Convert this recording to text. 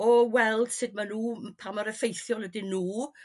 o weld sut ma'n nhw m- pa mor effeithiol y dyn nhŵ